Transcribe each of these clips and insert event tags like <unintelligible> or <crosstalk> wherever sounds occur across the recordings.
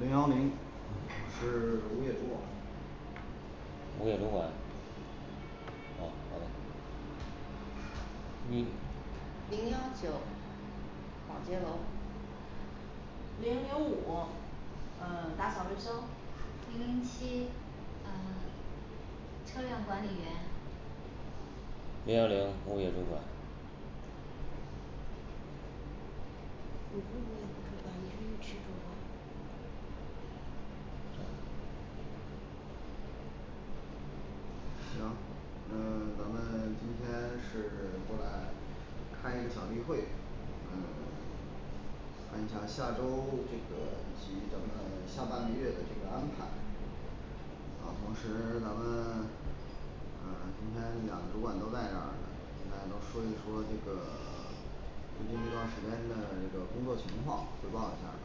零幺零我是 <silence> 物业主管物业主管嗯好好嘞嗯零幺九保洁楼零零五嗯 <silence> 打扫卫生零零七嗯 <silence> 车辆管理员零幺零物业主管行那个咱们 <silence> 今天 <silence> 是过来开一个小例会，看一下下周这个以及咱们下个半月这个安排。同时呢咱们 <silence> 呃今天两个主管都在这儿来说一说这个 <silence> 最近一段儿时间的这个工作情况汇报一下儿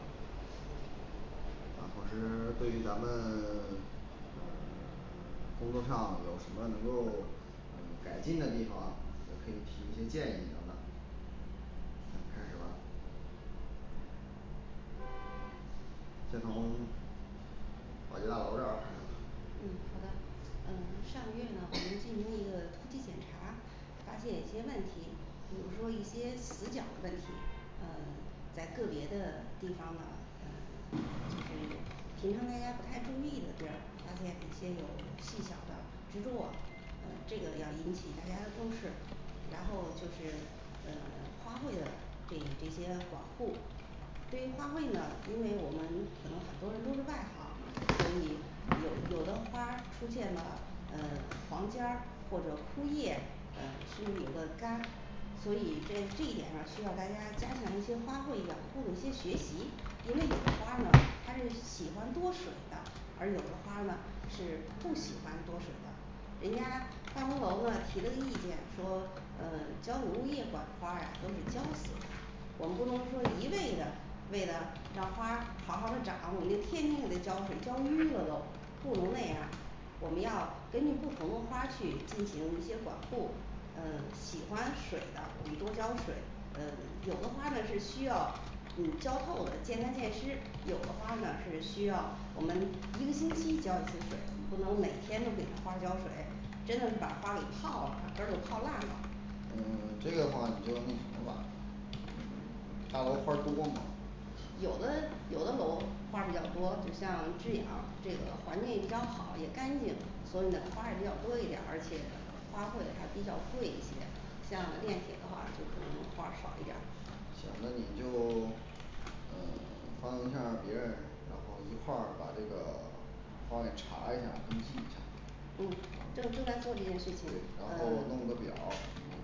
啊同时对于咱们 <silence> 呃 <silence> 工作上有什么能够嗯改进的地方，也可以提一些建议等等。行开始吧先从 <silence> 保洁大楼这儿开始吧嗯好的，嗯上个月呢& <hesitation> &我们进行了一个突击检查，发现一些问题，比如说一些死角的问题，呃在个别的地方吧就是平常大家不太注意的是。 发现那种细小的蜘蛛网呃这个要引起大家的重视。然后就是嗯花卉的这这些保护对于花卉呢，因为我们可能很多人都是外行，所以有有的花儿出现了嗯黄尖儿或者枯叶嗯甚至有的干所以在这一点上需要大家加强一些花卉养护的一些学习，因为有的花儿呢它是喜欢多水的，而有的花儿呢是不喜欢多水的。人家办公楼呢提的意见说呃交给物业管花儿啊都是浇死的，我们不能说一味的为了让花儿好好的长，我们就天天给它浇水浇逾了都不能那样，我们要根据不同的花儿去进行一些管控，嗯喜欢水的我们多浇水，呃有的花儿呢是需要你浇透的见干见湿，有的花儿呢是需要我们一个星期浇一次水，不能每天都给它花儿浇水，真的是把花给泡了，把根儿都泡烂了，嗯这个的话你就那什么吧。大楼花儿多吗？有的有的楼花儿比较多，就像这啊这个环境比较好也干净，所以呢花儿也比较多一点儿，而且花卉还比较贵一些。像炼铁的话就是花儿少一点儿。行那你就 <silence> 嗯 <silence> 划分片儿别人然后一块儿把这个 <silence> 帮你查一下儿登记一下儿嗯正正在做这件事情对然后弄个呃表儿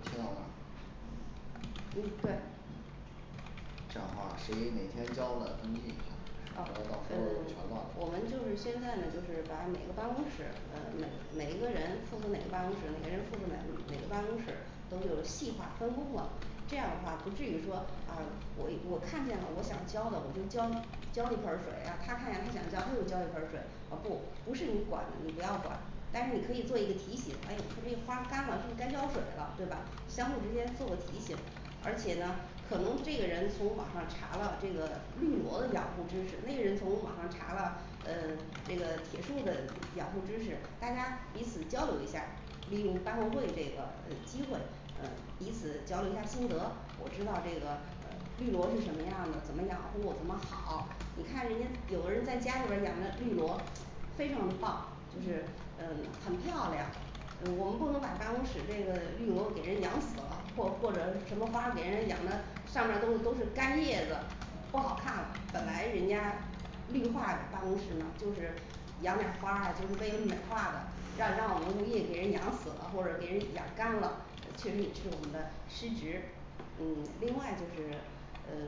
贴上它嗯对这样的话谁每天浇了登记一下儿啊我们到呃时候全忘我们了就是现在呢就是把每个办公室呃哪哪一个人负责哪个办公室，哪个人负责哪个办公室，都有细化分工了这样的话不至于说啊我我看见了我想浇的我就浇浇了一盆儿水，他看见他想浇又浇一盆儿水，啊不不是你管的你不要管，但是你可以做一个提醒，哎你说这花儿干了不是该浇水了对吧？相互之间做个提醒，而且呢可能这个人从网上查了这个绿萝的养护知识，那个人从网上查了呃这个铁树的养护知识，大家彼此交流一下儿，利用发布会这个呃机会呃彼此交流一下心得，我知道这个呃绿萝是什么样的，怎么养护怎么好，你看人家有的人在家里边儿养的绿萝，非常棒就是嗯呃很漂亮，嗯我们不能把办公室这个绿萝给人养死了，或或者什么花给人养的，上面儿都都是干叶子，不好看了，本来人家绿化办公室嘛就是养点儿，花儿啊就是为了美化的，让让我们物业给人养死了，或者给人养干了，确实是我们的失职。嗯另外就是呃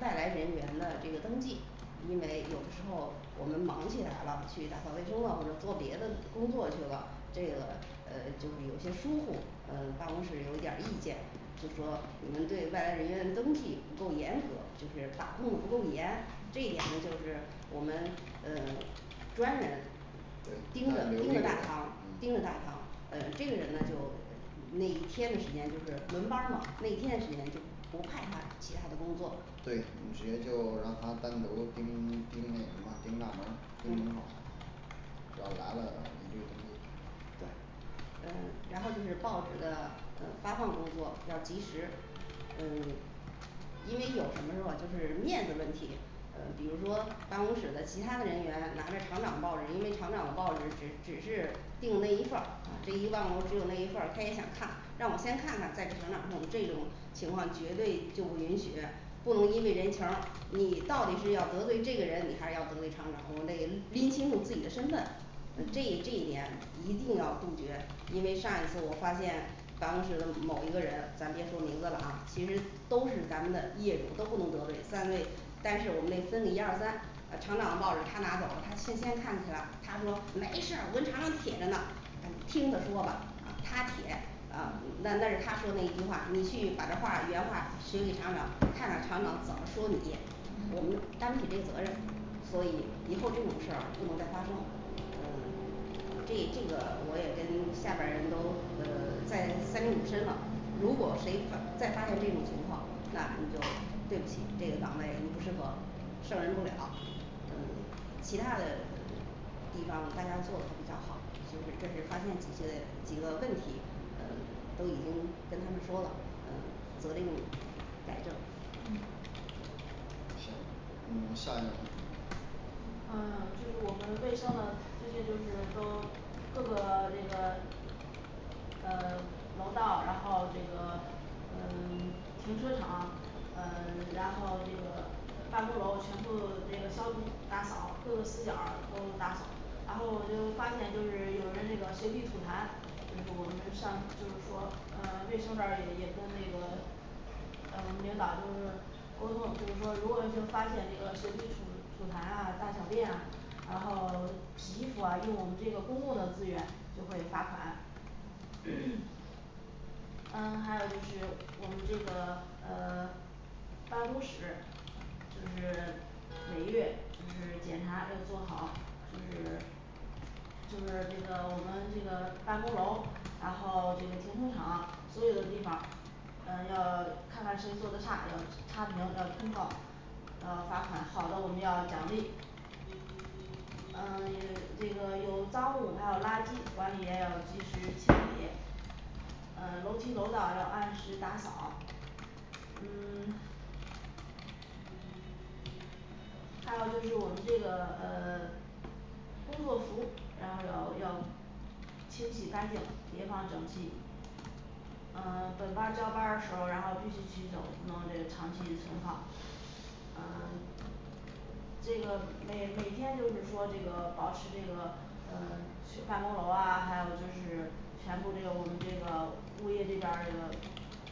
外来人员了这个登记，因为有的时候我们忙起来了，去打扫卫生了或者做别的工作去了，这个呃就是有些疏忽，呃办公室有一点儿意见，就是说我们对外来人员登记不够严格，就是把控不够严，这一点呢就是我们呃专人对盯额外着留一盯个着人大堂盯嗯着，大堂呃这个人呢就那一天的时间就是轮班儿嘛那一天的时间就不派他其他的工作对，你直接就让他单独盯盯那什么盯大门儿，沟通好嗯只要来了一律登记对嗯然后就是报纸的嗯发放工作要及时嗯 <silence> 因为有什么时候啊就是面子的问题，呃比如说办公室的其他的人员拿着厂长报纸，因为厂长报纸只只是订了那一份儿，这一嗯办公楼只有那一份儿，他也想看，让我们先看看再给厂长送这种情况绝对就不允许不能因为人情儿你到底是要得罪这个人，你还是要得罪厂长，我们得拎清楚自己的身份，这嗯一这一点一定要杜绝，因为上一次我发现办公室的某一个人咱别说名字了啊，其实都是咱们的业主都不能得罪三位，但是我们得分一二三呃厂长落着他拿走了，他先先看起了他说没事儿，我跟厂长铁着呢，你听他说吧啊他铁啊那那是他说那一句话，你去把这话原话学给厂长，看看厂长怎么说你我们嗯担不起这个责任，所以以后这种事儿不能再发生嗯。 <silence> 对于这个我也跟下边儿人都呃再三令五申了，如果谁他 <unintelligible> 再发现这种情况，那你就对不起这个岗位你不适合胜任不了嗯其他的地方大家做的比较好，就是这是发现了一些几个问题，呃都已经跟他们说了，嗯责令改正嗯行那下一个部门儿嗯就是我们卫生呢最近就是都各个这个 <silence> 呃 <silence> 楼道，然后这个嗯 <silence> 停车场，嗯 <silence> 然后这个办公楼全部这个消毒打扫，各个死角儿都打扫，然后我就发现就是有人这个随地吐痰，就是我们上就是说呃卫生这儿也也跟那个呃我们领导就是沟通，就是说如果就发现这个随地吐吐痰啊大小便啊，然后洗衣服啊用我们这个公共的资源就会罚款。<crosstalk> 嗯还有就是我们这个呃 <silence> 办公室就是 <silence> 每月就是检查要做好就是 <silence> 就是这个我们这个办公楼，然后这个停车场所有的地方，嗯要看看谁做的差，要差评，要通报，要罚款，好的我们要奖励嗯也这个有脏物，还有垃圾管理员要及时清理，嗯楼梯楼道要按时打扫嗯 <silence> 还有就是我们这个呃 <silence> 工作服，然后要我要清洗干净，叠放整齐嗯本班儿交班儿的时候，然后必须取走，不能这长期存放。嗯 <silence> 这个每每天就是说这个保持这个嗯 <silence> 全 <unintelligible> 办公楼啊，还有就是全部这我们这个物业这边儿这个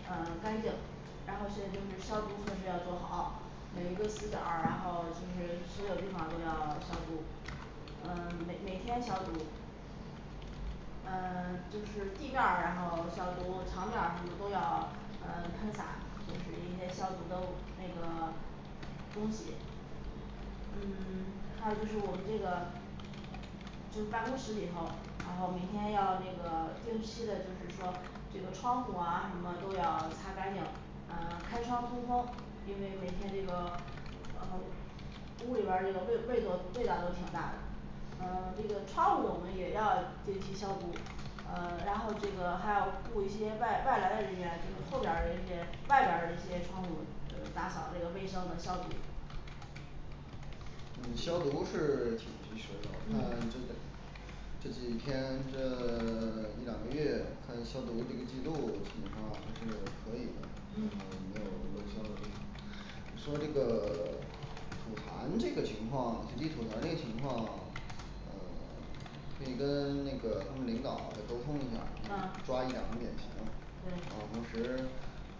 呃干净，然后现在就是消毒措施要做好，每一个死角儿，然后就是所有地方都要消毒嗯每每天消毒嗯 <silence> 就是地面儿，然后消毒墙面儿什么都要嗯喷洒，就是一些消毒的那个 <silence> 东西嗯 <silence> 还有就是我们这个就办公室里头儿，然后每天要那个定期的就是说这个窗户啊什么都要擦干净，嗯开窗通风，因为每天这个呃屋里边儿这个味味都味道都挺大的，嗯 <silence> 这个窗户我们也要定期消毒嗯 <silence> 然后这个还要雇一些外外来的人员，就是后边儿的这些外边儿的这些窗户呃打扫这个卫生的消毒，嗯消毒是挺及时的，我看嗯这个这几天这 <silence> 一两个月还有消毒这个记录基本上还是可以的。然后嗯有没有什么交流你说这个 <silence> 吐痰这个情况，随地吐痰这情况，呃 <silence> 可以跟那个他们领导再沟通一下儿，嗯抓一两个典型，对然后同时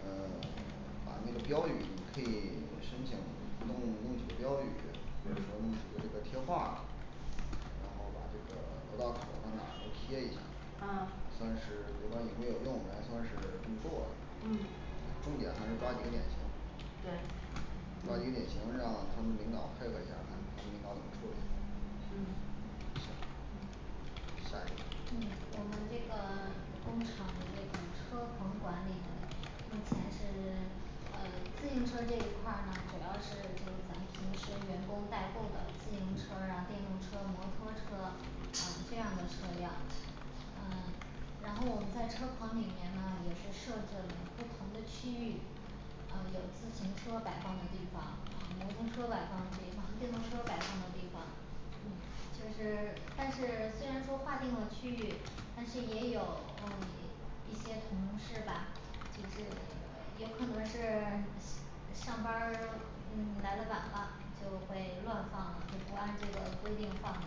嗯 <silence> 把那个标语可以申请弄弄几个标语贴成嗯贴画儿然后把这个楼道口儿那儿再贴一下儿嗯，算是不知道有没有用，咱算是工作了嗯重点还是抓几个典型对。抓几个典型嗯让他们领导配合一下儿，看他们领导处理。行嗯嗯下一个嗯我们这个 <silence> 工厂的这个车棚管理呢目前是 <silence> 呃自行车这一块儿呢主要是就咱平时员工代步的自行车儿啊、电动车、摩托车啊这样的车辆，嗯然后我们在车棚里面呢也是设置了不同的区域，嗯有自行车摆放的地方，嗯摩托车摆放的地方，电动车摆放的地方嗯就是 <silence> 但是虽然说划定了区域，但是也有嗯一 <unintelligible> 一些同事吧就是 <silence> 有可能是 <silence> 上班儿嗯来的晚了就会乱放了，就不按这个规定放了，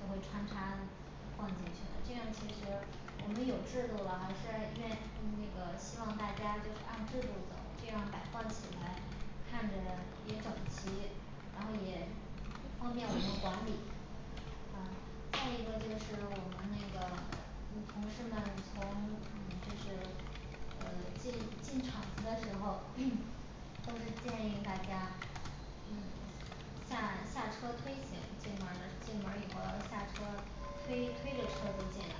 就会穿插放进去了，这样其实我们有制度了，还是愿那个希望大家就是按制度走，这样摆放起来，看着也整齐，然后也方便我们管理啊再一个就是我们那个嗯同事们从嗯就是呃进进厂子的时候， <crosstalk> 都是建议大家嗯下下车推行，进门儿的进门儿以后要下车推推着车子进来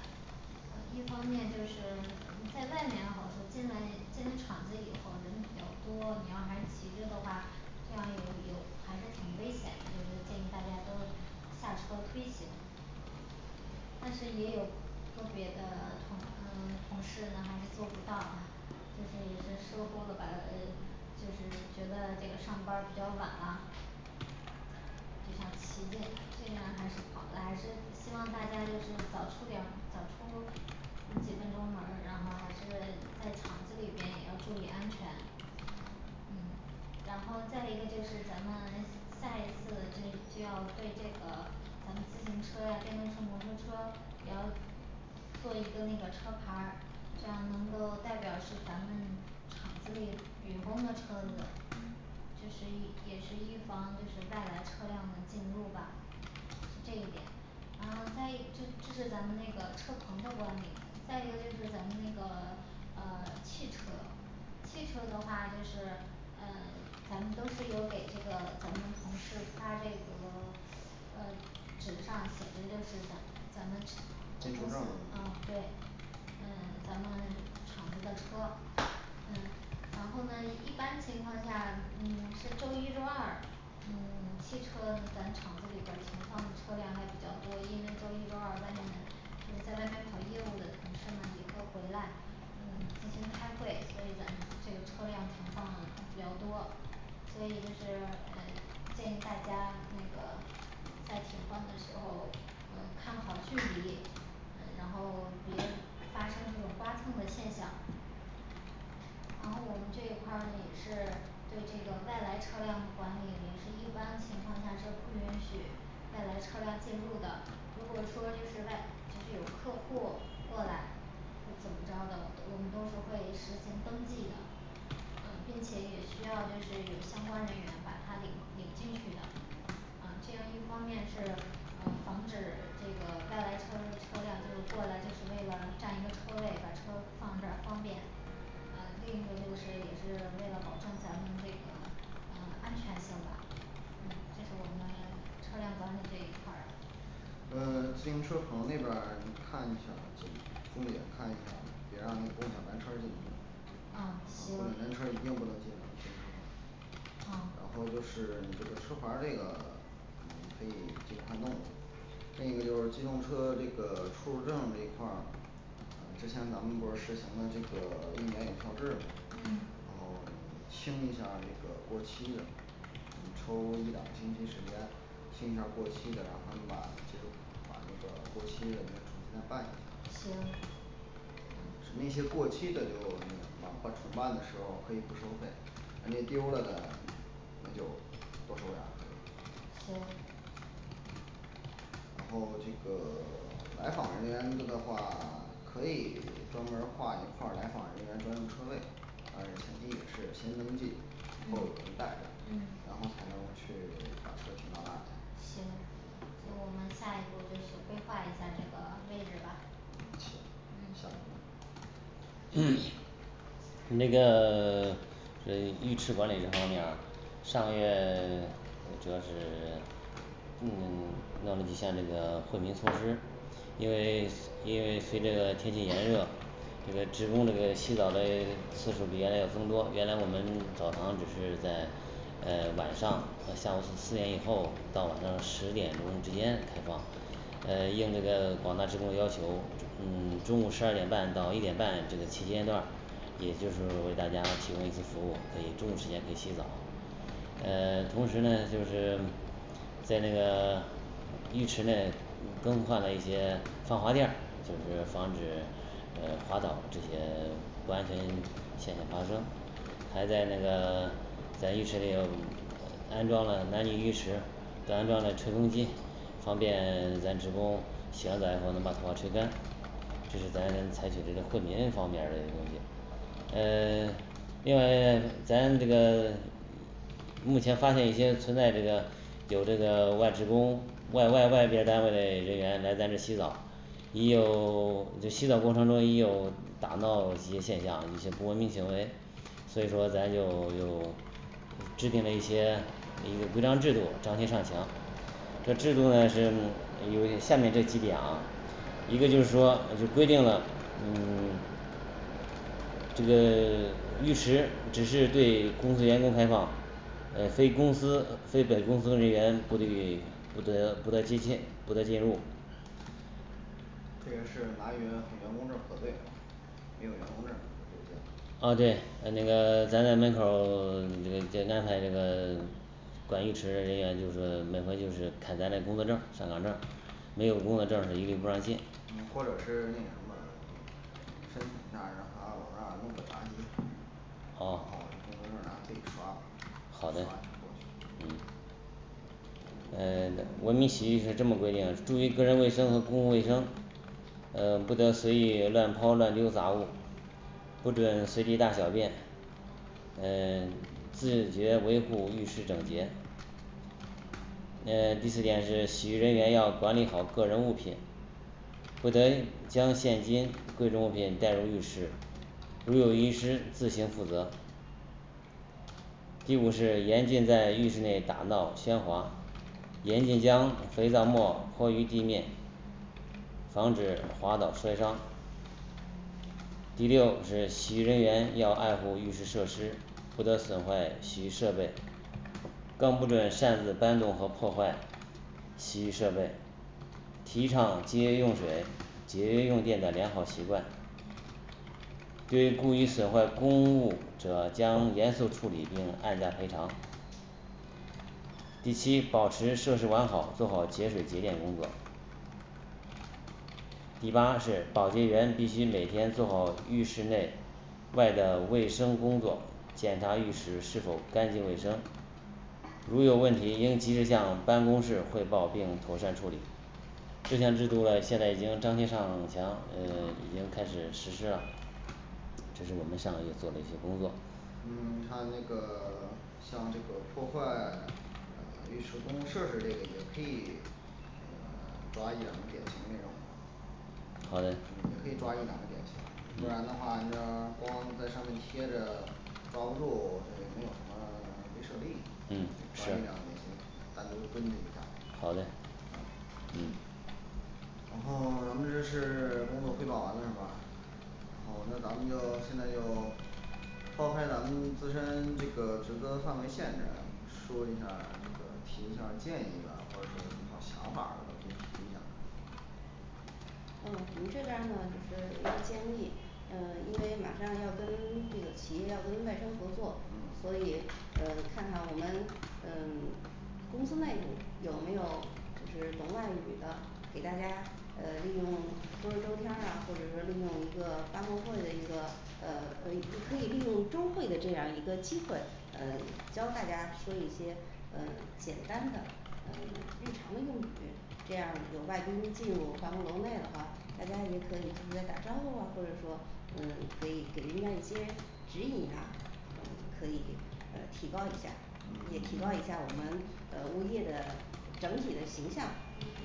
嗯一方面就是 <silence> 嗯在外面好说，进来进了厂子以后人比较多，你要还骑着的话，这样有有还是挺危险的，就是建议大家都下车推行，呃但是也有个别的同嗯同事呢还是做不到，就是也是疏忽了吧，呃就是觉得这个上班儿比较晚了，呃就想骑进来进来还是跑的，还是希望大家就是早出两早出出几分钟门儿，然后还是在厂子里边也要注意安全嗯然后再一个就是咱们下一次就就要对这个咱们自行车呀、电动车、摩托车也要做一个那个车牌儿，这样能够代表是咱们厂子里员工的车子就是也是预防就是外来车辆的进入吧这一点然后再一 <unintelligible> 就就是咱们那个车棚的管理，再一个就是咱们那个 <silence> 呃汽车，汽车的话就是，嗯咱们都是有给这个咱们同事发这个 <silence> 呃纸上写的就是咱咱们车 <unintelligible> 就进是出啊证对嗯咱们 <silence> 厂子的车，嗯然后呢一般情况下嗯是周一周二嗯汽车咱厂子里边儿停放的车辆还比较多，因为周一周二外面的停在外面跑业务的同事们也会回来嗯进行开会，所以咱这个车辆停放比较多，所以就是呃建议大家那个在停放的时候儿嗯看好距离，嗯然后别发生这种刮蹭的现象然后我们这一块儿呢也是对这个外来车辆的管理，也是一般情况下是不允许外来车辆进入的如果说就是外就是有客户儿过来，会怎么着的，我们都是会实行登记的嗯并且也需要就是有相关人员把他领领进去的。嗯这样一方面是呃防止这个外来车车辆就是过来就是，为了占一个车位，把车放这儿方便。嗯另一个就是也是为了保证咱们这个嗯安全性吧，嗯这是我们 <silence> 车辆管理这一块儿的。那么自行车棚那边儿你看一下儿重点看一下儿，别让共享单车这一块儿。啊共享单行车儿一定不能系安全椅啊然后就是你这个车牌儿这个 <silence> 你可以尽快问这个就机动车这个出入证儿这一块儿之前咱们不是实行了这个 <silence> 一年有效制嘛，嗯然后清一下儿那个过期的你抽一两个星期时间清一下儿过期的，然后你把这把那个过期的再重新再办一下儿行嗯使那些过期的就什么办重办的时候可以不收费，人家丢了那就都收点儿行然后这个 <silence> 来访人员的话 <silence> 可以专门儿划一块儿来访人员专用车位嗯前期也是先登记后有人嗯带着嗯然后才能去把车停到那里行所以我们下一步就是规划一下这个位置吧。行下一嗯位 <crosstalk> 那个 <silence> 呃浴池管理这方面儿上个月 <silence> 主要是 <silence> 弄一下这个惠民措施，因为因为随着天气炎热，&& <hesitation> 这个职工这个洗澡嘞次数比原来要增多，原来我们澡堂就是在呃晚上下午四点以后到晚上的十点钟之间开放，呃应这个广大职工要求嗯中午十二点半到一点半这个期间段儿，也就是说为大家提供一次服务，可以中午时间可以洗澡呃 <silence> 同时呢就是 <silence> 在那个 <silence> 浴池呢更换了一些防滑垫儿，就是防止呃滑倒这些不安全现象发生。还在那个 <silence> 咱浴池里头安装了男女浴池，都安装了吹风机，方便咱职工洗完澡以后能把头发吹干，这是咱采取这个惠民方面儿的这个东西。呃 <silence> 另外 <silence> 咱这个 <silence> 目前发现一些存在这个有这个外职工外外外面单位嘞人员来咱这儿洗澡也有 <silence> 这洗澡过程中也有打闹一些现象，一些不文明行为，所以说咱就有制定了一些一个规章制度张贴上墙。这制度是有下面这几点啊一个就是说我就规定了嗯 <silence> 这个 <silence> 浴池只是对公司员工开放，呃非公司非本公司人员不至于不得不得进行不得进入这个是拿员员工证儿核对，没有员工证儿不给进哦对，那个 <silence> 咱的门口 <silence> 已经安排这个 <silence> 管浴池的人员就是说每回就是看咱嘞工作证儿，上岗证儿，没有工作证儿是一律不让进嗯或者是那什么申请一下儿，咱往那儿弄个闸机哦工好作证让他自己刷吧。一好刷就的过。嗯去了呃文明洗浴是这么规定的，注意个人卫生和公共卫生，呃不得随意乱抛，乱丢杂物不准随地大小便呃 <silence> 自觉维护浴室整洁。那第四点是洗浴人员要管理好个人物品，不得将现金贵重物品带入浴室如果遗失自行负责。第五是严禁在浴室内打闹喧哗严禁将肥皂沫泼于地面防止滑倒摔伤第六是洗浴人员要爱护浴室设施，不得损坏洗浴设备更不准擅自搬动和破坏洗浴设备提倡节约用水，节约用电的良好习惯对于故意损坏公物者将严肃处理并按价赔偿第七，保持设施完好，做好节水节电工作。第八是保洁员必须每天做好浴室内外的卫生工作，检查浴室是否干净卫生，如有问题应及时向办公室汇报并妥善处理这项制度呢现在已经张贴上母墙呃 <silence> 已经开始实施了这是我们上个月做的一些工作嗯 <silence> 还有那个 <silence> 像这个破坏 <silence> 浴室公共设施类的也可以抓一两个典型例案好嗯的也可以抓一两个典型不然的话就在那儿光就在上面贴着 <silence> 抓不住，我们也没有什么没设立嗯把是这两期单独推进一下儿。好嘞嗯然后 <silence> 咱们这是 <silence> 工作汇报完了是吧？好那咱们就现在就抛开咱们自身这个职责范围限制，说一下儿这个提一下儿建议啊或者有什么想法都可以提一下儿。嗯我们这边儿呢就是有个建议，嗯因为马上要跟这个企业要跟外商合作，嗯所以呃看看我们嗯公司内部有没有就是懂外语的给大家呃利用不是周天了或者说利用一个发布会的一个呃可以就可以利用周会的这样一个机会，嗯教大家说一些嗯简单的嗯日常的用语，这样有外宾入进入我们办公楼内的话，大家也可以就是在打招呼啊，或者说嗯给给人家一些指引啊，嗯可以嗯提高一下儿，也提嗯高嗯一下儿我们呃物业的整体的形象，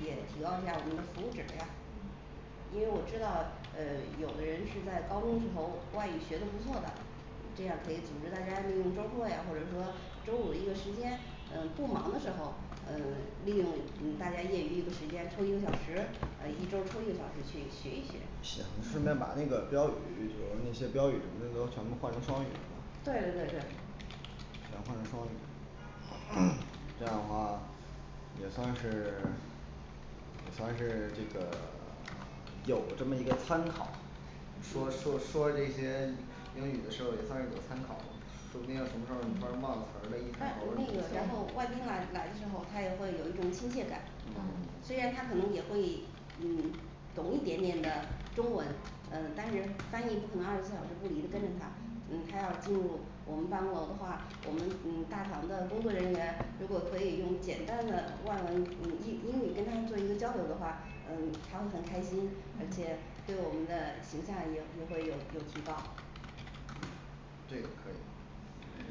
也提高一下儿我们的服务对质量。嗯因为我知道呃有的人是在高中时候外语学的不错的，这样可以组织大家利用周末呀或者说中午的一个时间嗯不忙的时候，嗯利用嗯大家业余一个时间抽一个小时，呃一周抽一个小时去学一学行，顺便把那个标语和那些标语都全部换成双语。对对对对转换成双语 <crosstalk> 这样的话也算是 <silence> 他是这个 <silence> 有这么一个参考，说说说这些英语的时候也算是有参考说不定什么时候忘词儿了那一肯定然后对外宾来来的时候他也会有一点亲切感，嗯嗯虽然他可能也会嗯懂一点点的中文，嗯但是翻译不可能二十四小时不离的跟着他，他要进入我们办公楼的话，我们嗯大堂的工作人员如果可以用简单的外语英英语跟他做一个交流的话，嗯他会很开心，而嗯且对我们的形象也也会有有提高，嗯这个可以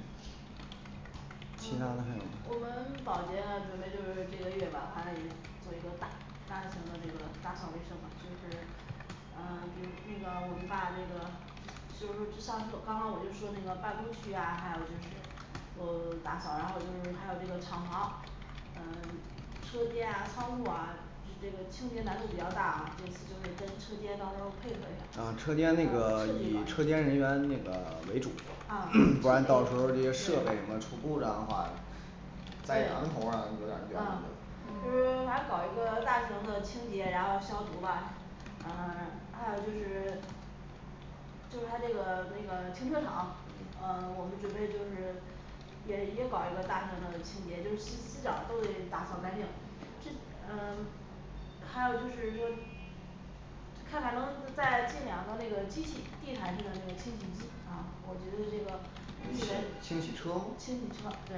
嗯其我他的还们有什我么们保洁准备就是这个月吧反正也做一个大大型的这个打扫卫生吧就是嗯比如那个我们把这个所以说这上次刚刚我就说那个办公区啊还有就是都打扫，然后就是还有这个厂房，嗯车间啊仓库啊这这个清洁难度比较大啊，这次就是跟车间到时候儿配合一下，嗯啊车彻底搞，间那个以车啊间人员那个为主手啊 <crosstalk> 不然到时候彻这底些对设备什么出故障的话，对啊，就是反正嗯搞一个大型的清洁，然后消毒吧嗯还有就是 <silence> 就是他这个那个停车场嗯呃我们准备就是也也搞一个大型的清洁，就是死死角儿都得打扫干净。这呃 <silence> 还有就是说看看能不能就再进两个那个机器，地毯式的那个清洗机，啊我觉得这个清洗现在，清清洗洗车车哦对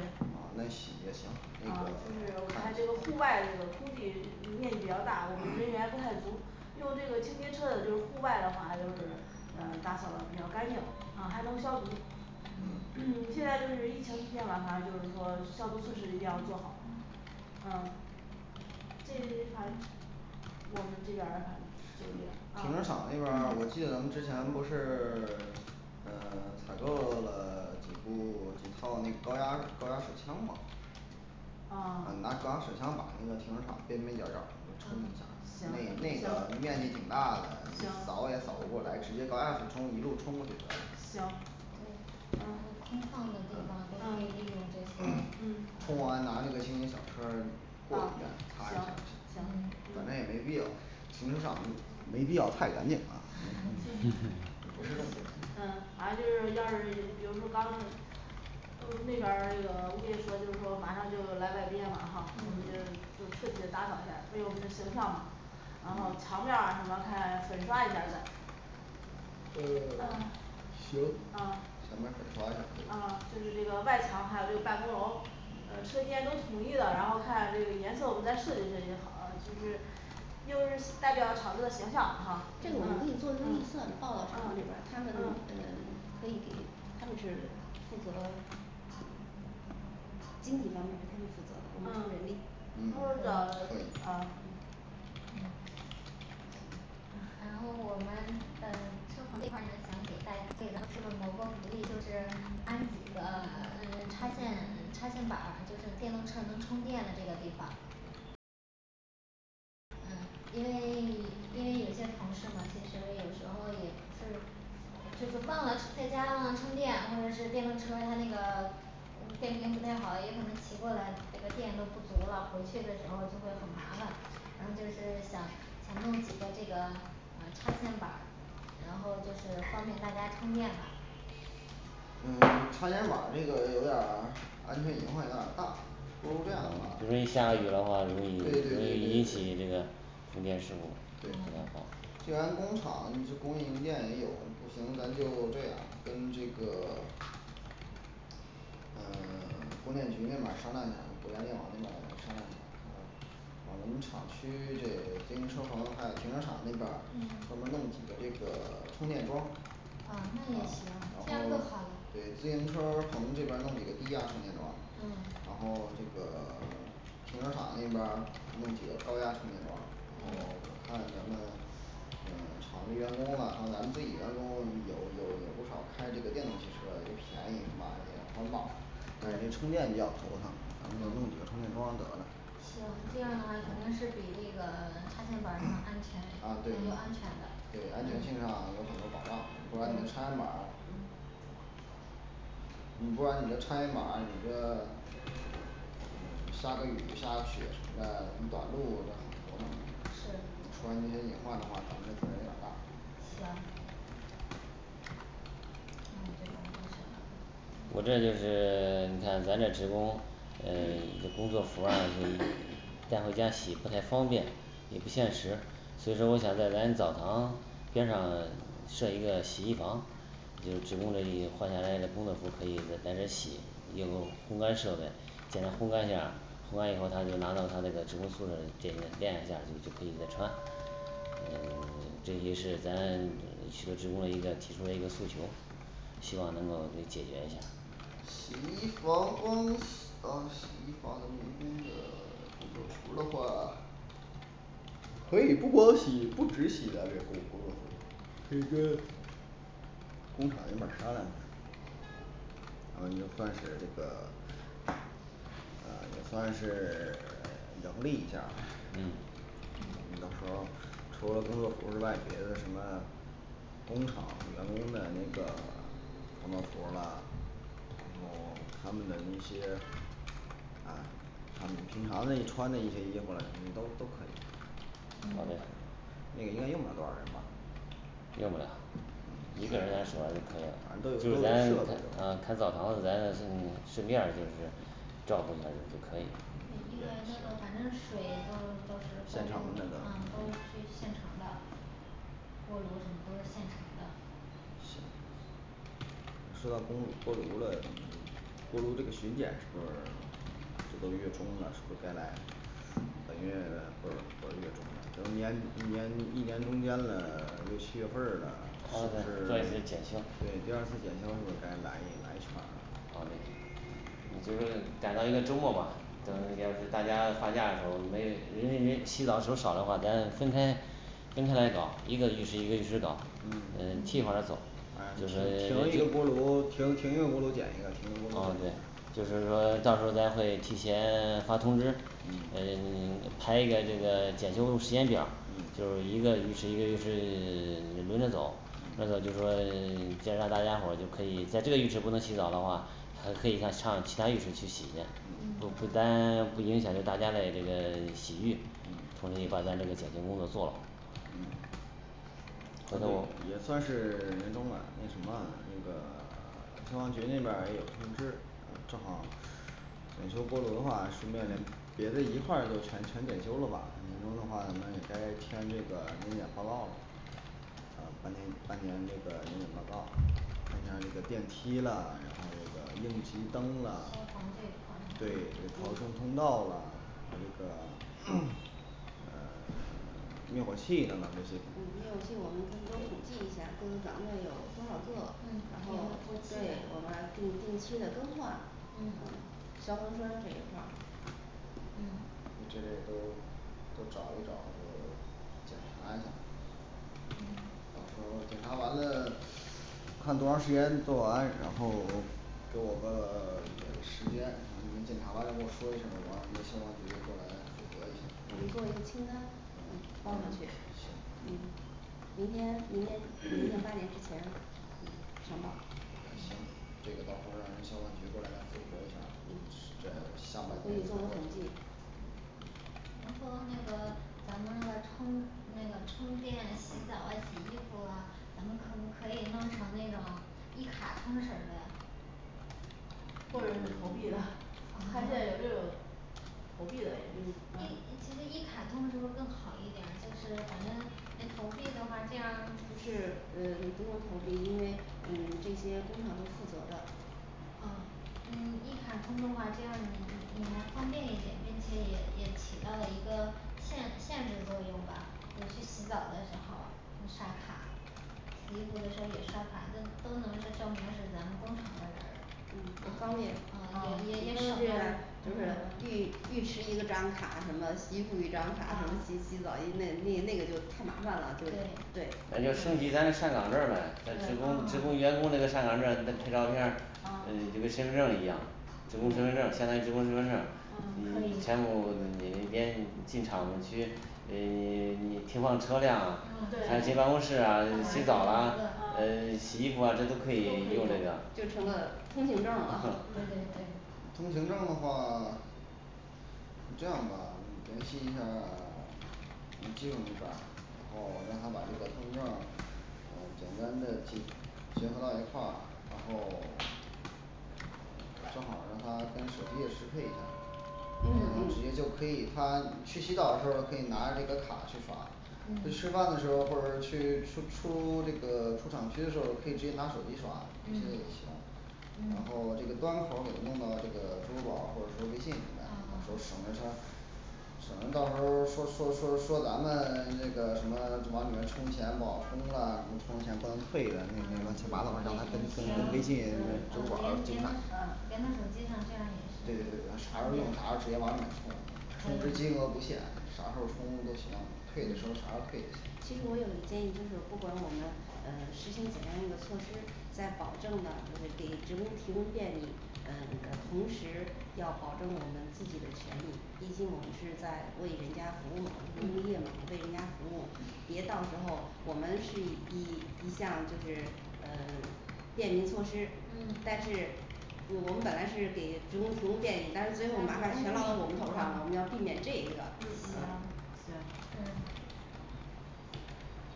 那行也行嗯就是还有就是户外的这个空地面积比较大，我们人员不太足，用这个清洁车的都户外的话就是呃打扫的比较干净，嗯还能消毒。嗯嗯 <crosstalk> 现在就是疫情期间嘛反正就是说消毒措施一定要做好嗯对于这块儿我们这边儿反就这样停嗯，车场那边儿好像我 <crosstalk> 记得咱们之前不是 <silence> 嗯 <silence> 采购 <silence> 了 <silence> 几部几套那高压高压水枪嘛嗯拿嗯高压水枪把那个停车场的边边角儿角儿冲一下嗯那那行个行面积挺大的，行扫也扫不过来，直接高压水冲一路冲过去得行了对，然后嗯还那空旷的地嗯方都可以利用冲这完些拿那个呃清洁小车儿过好一遍行行嗯反正也嗯没必要停车场没必要太干净啊。<noise> 嗯 <noise> <noise>。反正就是要是比如说刚嗯那边儿那个物业说就是说马上就来改变嘛哈，我们就嗯就彻底的打扫一下，为我们的形象嘛，然后墙面儿啊什么看粉刷一下儿再呃啊 <silence> 行啊咱们粉刷一下啊这个就是这个外墙还有这办公楼，呃车间都统一的，然后看这个颜色我们再设计设计好就是又是代表了厂子的形象哈，这嗯个嗯我们嗯可嗯以做一个预算报给这个，他们嗯可以给他们是负责 <silence> 经济方面的，他们负责我们出人嗯力嗯对呃嗯是嗯然后我们呃车棚这一块儿呢想给大想给咱们同事们谋个福利，就是安几个 <silence> 嗯插线插线板儿就是电动车能充电的这个地方。嗯因为 <silence> 因为有些同事们其实有时候也不是就是忘了在家忘了充电或者是电动车儿，他那个嗯电瓶不太好了，有可能骑过来这个电都不足了，回去的时候儿就会很麻烦。然后就是想想弄几个这个嗯插线板儿然后就是方便大家充电吧嗯插线板儿这个有点儿安全隐患有点儿大不如这样比如一吧下雨的话容对易对容易引对起对对这个供电事故所以不太嗯好既然工厂这工业用电也有，不行咱就这样跟这个 <silence> 嗯供电局那边儿商量一下儿，国家电网那边儿商量一下儿我们厂区这个电动车棚还有停车场那边儿嗯，我们弄几个这个充电桩。嗯那嗯也行，这然样更后好了对自行车儿棚这边儿弄一个地下充电桩嗯，然后这个 <silence> 停车场那边儿用几个高压充电桩，然后嗯看咱们嗯厂子员工呢，还有咱们自己员工，有有有不少开这个电动汽车的便宜嘛而且我们对充电也比较头疼。咱们就弄几嗯个充电桩得了行这样的话肯定是比这个插线板儿什么安全啊对有安全的对安全性上有很多保障是吧？你对插线板儿嗯你不管你这插线板儿你这 <silence> 下个雨下个雪什么的短路那很头疼是出了这些隐患的话，咱们的责任有点儿大。行那我这边儿没什么了我这就是 <silence> 你看咱这职工呃工作服啊这，& <hesitation> &带回家洗不太方便也不现实所以说我想在咱澡堂边上设一个洗衣房有职工的一些换下来的工作服可以在在这儿洗，有烘干设备简单烘干一下儿，烘干以后他就拿到他那个职工宿进行变一下就可以再穿，嗯这也是咱许多职工的一个提出了一个诉求希望能够给解决一下儿洗衣房光洗到洗衣房里面这个洗工服儿的话，可以不光他洗不止洗他这个工工作服直接工厂也买上来着嗯也算是这个 <silence> 嗯也算是 <silence> 盈利一下儿嗯嗯比方说除了工作服之外，别的什么工厂员工的那个 <silence> 工作服了然后他们的一些 <silence> 啊他们的平常的穿的一些衣服啊都都可以好的嗯那个应该用不了多少钱吧用不了一个人来数着就可以反正都有了，都就有咱设备嗯看澡堂子咱嗯顺便儿就是照顾一下儿就可以对了，，一个人那都反正水都都是现共成的用嗯，都都是去现成的，锅炉什么都是现成儿的。行说到锅锅炉了锅炉这个巡检呃这个月中呢是不该来这个月或者中间一年一年中间的六七月份儿呢，他啊就是，对第对二次检修第二次检修的时候来来一场。好嘞，你就说赶到一个周末嘛，主要是嗯就是大家放假的时候，没人人人洗澡的时候少的话，咱分开分开来搞，一个浴池一个浴池搞嗯嗯替嗯换着走反正停就停一个是锅炉停停一个锅炉检一个停一个锅炉哦检对一个就是说到时候咱会提前 <silence> 发通知嗯嗯 <silence> 排一个这个检修时间表儿嗯就是一个浴室一个浴室 <silence> 轮着走那么就说呃 <silence> 既然说大家伙就可以在这个浴室不能洗澡的话还可以让上上其它浴室去洗去，不嗯不但不影响就大家嘞这个洗浴，嗯同时也把咱这个检测工作做了嗯合作也算是人中了那什么那个 <silence> 消防局那边儿还有通知嗯正好儿检修锅炉的话顺便嗯也可以一块儿就全全检修了吧，你们的话你们也该签这个年检报告。呃半年半年这个修检报告看看这个电梯了，然后这个应急消灯了防这一块对逃生通道了这个 <silence> <crosstalk> 灭火器啦这些嗯灭火器我们全都统计一下各岗位有多少个嗯，然有没有后过期对的我们可以定期的更换嗯消防栓这一块儿嗯我觉得要不都找一找，这个怎么办呢？嗯到时候检查完了，看多长时间做完然后我们给我个 <silence> 时间能检查完了给我说一声，我让他们消防局的过来给一下儿，你做一个清单嗯放回去行嗯。明天明天八点之前，嗯行吗。行。这个到时候让人消防局的配合一下在下面可以做个统计比如说那个咱们的充那个充电洗澡啊洗衣服啊咱们可不可以弄成那种一卡通式儿的或者是投币的他现在就 <noise> 有 <noise> 投币的也一嗯啊，其实一卡通是不是更好一点儿，就是反正人投币的话这样就是嗯你不用投币，因为嗯这些工厂都负责的嗯你一卡通的话这样你你还方便一点，并且也也起到了一个限限制作用吧，尤其洗澡的时候一刷卡洗衣服的时候也刷卡都都能是证明是咱工厂的人儿嗯呃方便啊也也也，就是浴浴池一张卡什么洗衣服一张卡的啊洗洗澡那那那个就太麻烦了，对对那就升级咱是上岗证儿呗，职工职对啊工员工的那个上岗证儿拍照片儿啊，就跟身份证儿一样职工身份证相当于职工身份证，嗯可以你全部你那边进厂区呃你停放车辆啊还有嗯进对办公室啊洗澡啊，呃啊洗衣服啊这都都可可以以用那个，就成了通行证了对对对通行证儿的话，你这样吧你联系一下儿 <silence> 有几种这个然后让他把这个身份证呃简单的记结合到一块儿然后 <silence> 正好让他跟他手机也适配一下，我们直接就可以他去洗澡的时候可以拿这个卡去刷，你嗯吃饭的时候或者说去出出这个出厂区的时候可以直接拿手机刷，这个也嗯行。然嗯后这个端口也弄到这个支付宝或者说微信里面儿，省啊省得他省的到时候儿说说说说咱们那个什么往里面儿充钱不好充了，什么充钱不能退嗯也也行啊连连那连了，麻烦，微信支付宝直接打开着手机呢这样对也对是对啥时方候用便啥时候直接往里面充充可值金额以不限，啥时候充都行退的时候啥时候退，其实我有一建议，就是不管我们呃实行怎样一个措施，在保证呢就是给职工提供便利，嗯同时要保证我们自己的权利，毕竟我们是在为人家服务我们是物业对嘛为人家服务，别到时候我们是以一项就是呃便民措施嗯但是我们本来是给职工提供便利，但是最后麻烦全到我们头上了，我们要避免这一个行。嗯嗯行嗯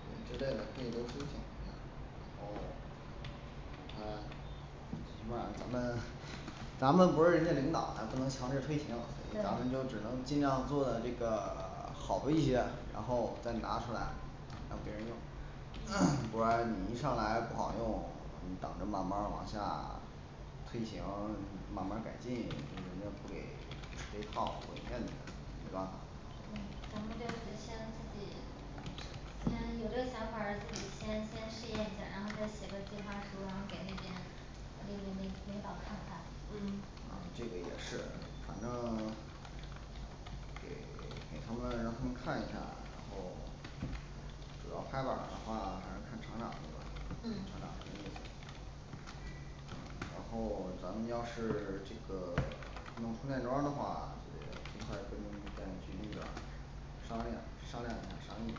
我觉得咱们可以多申请哦啊你不管咱们咱们不是人家领导咱不能强制推行，咱们对就只能尽量做这个 <silence> 好的一些，然后再拿出来让别人用 <crosstalk> 不然你一上来不好用，等着慢儿慢儿往下 <silence> 推行慢儿慢儿改进，人家不给吃一套就得认对吧对咱们就得先自己嗯有这想法儿，自己先先试验一下，然后再写个计划书，然后给那边那个那领导看看嗯啊这个也是反正 <silence> 给他们让他们看一下，然后主要拍板儿的话还是看厂长这个嗯厂长的意思。然后咱们要是这个弄充电桩儿的话，这一块儿跟电那边儿商量商量一下儿商业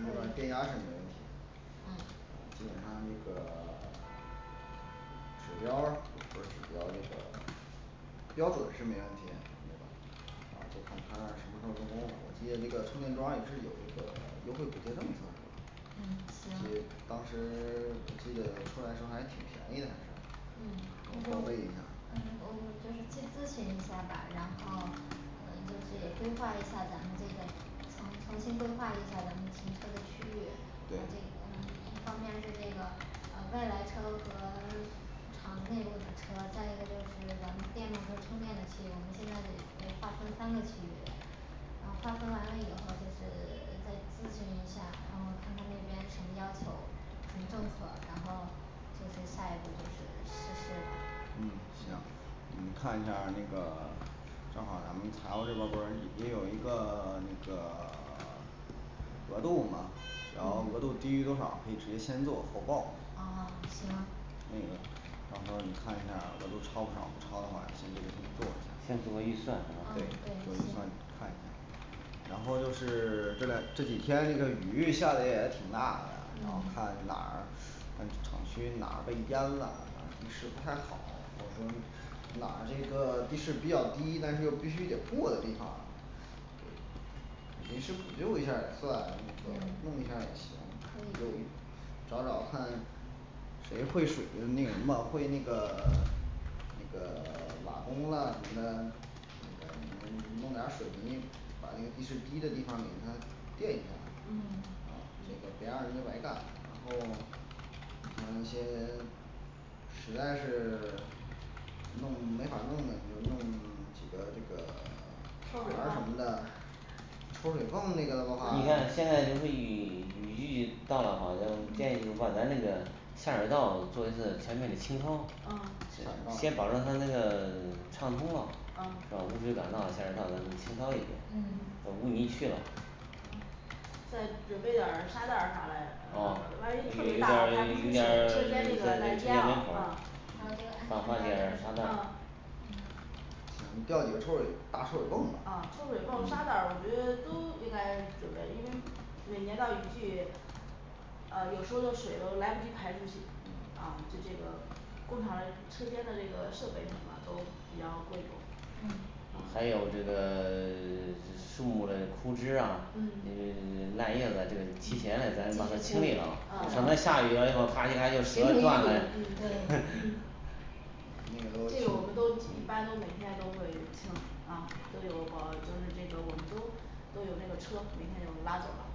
那个可电以压是没问题嗯嗯基本上这个 <silence> 指标儿或者指标这个标准是没问题，对而且看他那什么时候能不能把毕竟这个充电桩也是有这个优惠补贴政策。嗯所行以当时 <silence> 我记得说来是还挺便宜的当时嗯那再就问一下儿嗯我就是去咨询一下吧，然后嗯就是也规划一下咱们这个重重新规划一下儿咱们停车的区域，把这对嗯一方面是这个呃外来车和厂子内部的车，再一个就是咱们电动车充电的区域，我们现在得得划分三个区域的嗯划分完了以后就是 <silence> 再咨询一下，然后看看那边什么要求属于政策。然后就是下一步就是实施吧嗯行。 你看一下那个 <silence> 正好咱们财务这边儿不是也有一个 <silence> 一个 <silence> 额度嘛，然后嗯额度低于多少可以直接先做后报，哦行。那个到时候儿你看一下儿额度超不超，超了的话现在就这么做先做个预算嗯啊嗯对做对预算行看一下然后就是 <silence> 这两这几天这个雨下的也挺大的，然后嗯看哪儿看厂区哪儿被淹了地势不太好，或者说哪儿这个地势比较低，但是又必须得过的地方给我们看。临时补救一下儿也算嗯，用一下儿也行可可以以找找看谁会使用用泥瓦会那个 <silence> 那个瓦工呐什么的那个你们弄点儿水泥把那个地势低的地方给他垫一下儿嗯啊给二十块钱干，然后 <silence> 还有一些 <silence> 实在是 <silence> 弄没法弄了你用几个这个 <silence> 抽什水泵么的抽水泵那个的话你，看现在就是雨雨季到了嘛，咱们建议就是把咱这个下水道做一次全面的清空嗯，先保证它的这个畅通了嗯是吧？污水管道下水道清扫一遍嗯嗯，把污泥去了再准备点儿沙袋儿啥啊有点儿嘞，呃万一特别大了排不出有去，点儿车在间这这个再个车间淹了门口儿啊还有这个咱安放点儿沙全标袋志儿嗯行调几个抽水大抽水泵吧啊抽水泵沙袋嗯儿，我觉得都应该准备，因为每年到雨季啊有时候这水都来不及排出去，啊就这个 <silence> 工厂的车间的这个设备什么啊都比较贵重，嗯还嗯有这个 <silence> 树木嘞枯枝啊，这嗯个烂叶子这个提前嘞咱把它清理了啊省啊的下雨了以后咔唧咔唧就折了断嗯了对嗯 <noise> 这个我们都一般都每天都会清啊都有保，就是这个我们都都有那个车每天就拉走了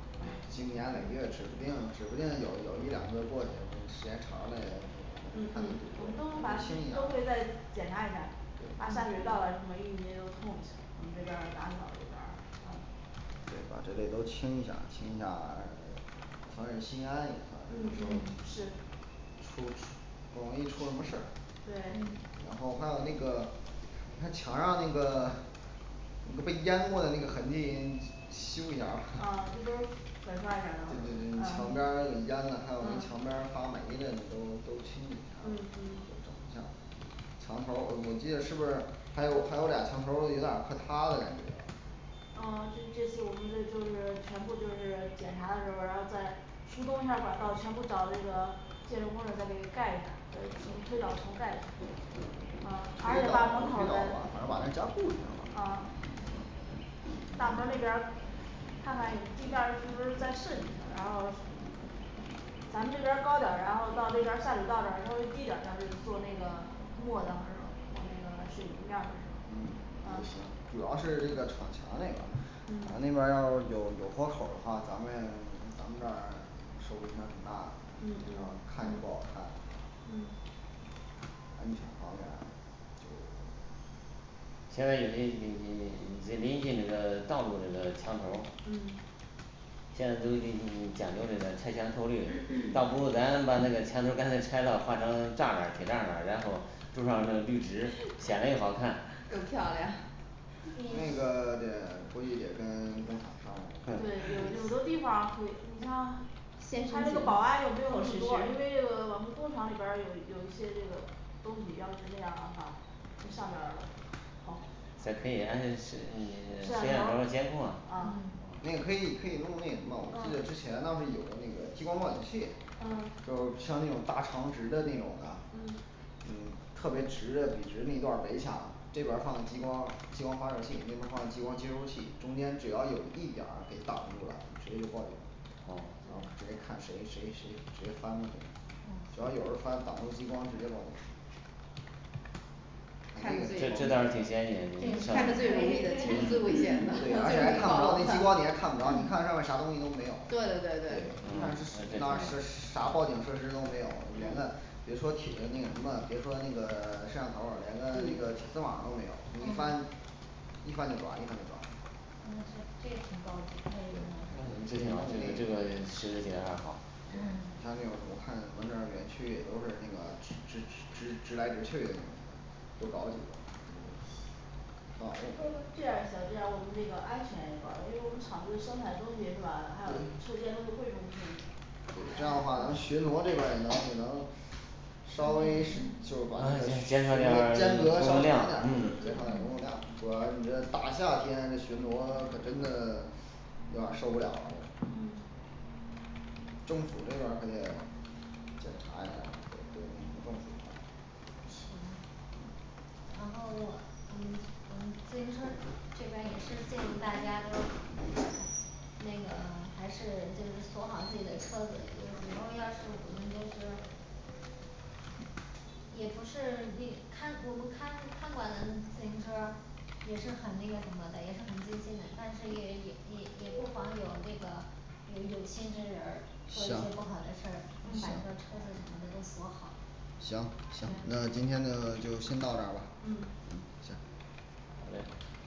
啊今年哪嗯月指不定指不定有有一两个月过去时间长嘞嗯嗯我们都反正近期都会再检查一下儿，把下水道啊什么淤泥都捅一下，我们这边儿打扫一下儿，嗯把这些都清一下儿，清一下儿，呃反而心安嗯理得嗯是出出不容易出什么事儿，嗯对然后还有那个他墙上那个 <silence> 那个被淹过的那个痕迹清一下嗯这儿不是粉刷一下子，嗯墙边儿淹了还有嗯墙边儿发霉的，你都都清一下都嗯嗯整一下墙头儿我我记得是不是还有还有俩墙头儿有点儿快塌的感觉嗯这些就我们都就是全部就是检查的时候儿，然后再疏通一下儿管道，全部找这个建筑工人再给盖一下儿，再重推倒重盖一下，嗯而且把门口咱把这加固一下儿的吧啊大门儿那边儿看看有的地面儿是不是再设计一下儿，然后咱们这边儿高点儿，然后到这边儿下水道这儿稍微低点儿再去做那个磨的时候儿还是磨那个水泥面儿的时候儿嗯也行嗯，主要是这个厂墙那边儿厂那嗯边儿要有有豁口儿的话，咱们咱们这儿受影响很大嗯嗯看也不好嗯看嗯安全嗯方面儿就现在有的临临临临这临近这个道路这个墙头儿嗯现在都已经给你讲究这个拆墙透绿倒不如咱把这个墙头干脆拆了，换成栅儿铁栅栏儿，然后种上这个绿植显嘞又好看，又漂亮 <noise> 这你个得估计得跟工厂商量对有的地方可以，你像先他成后那实施个保安有没有那么多，因为我们工厂里边儿有有一些这个东西，要是那样的话，这上面儿好咱可以安那摄摄像头儿像监控头儿啊啊那可以可以用那什么，我们记得之嗯前当时有个那个激光报警器嗯，就是像那种大长直的那种的嗯嗯特别直的笔直那段儿围墙，这边儿放个激光激光发射器，那边儿放个激光接收器，中间只要有一点儿给挡住了，你直接就报警然哦后直接看谁谁谁直接翻过去了嗯，只要有人翻挡住激光就这这倒是挺先这也这可进以个看着最容易的其实最危险的最对容而且还易看不暴着露那的激光你还看不着，你看上面儿啥东西都没有，对对对对对嗯他那这是挺啥设啥报警设施都没有连那别说铁的那个什么，别说那个 <silence> 摄像头儿，连个那个嗯铁丝网都没有，一翻嗯一翻就抓一翻就抓。那他这这也挺高级可以弄上这个好这个这个实施起来还好嗯他这个我看你们那儿园区也都是那个直直直直来直去的那种，不倒的那个嗯啊哦对这样也行，这样我们这个安全也有保障，因为我们厂子生产东西是吧还有车间都是贵重物品这样的话咱们巡逻这边儿也能也能稍微时嗯就把这个这个减减少一下间儿隔工稍微长一作点，量啊工嗯嗯作量，主要你这大夏天巡逻可真的有点儿受不了了。嗯政府这边儿还得检查一下儿这个人民政府的行然后我我们我们自行车儿这边儿也是建议大家都对。那个还是就是锁好自己的车子，有时候要是我们就是 <silence> 也不是你看我们看看管咱们自行车儿也是很那个什么的，也是很尽心的，但是也也也也不妨有这个有有心之人儿做一些不好的事儿，把这嗯个车子什么的都锁好。行，行那今天就就先到这儿吧嗯。行好嘞